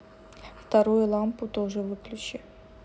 вторую лампу тоже выключи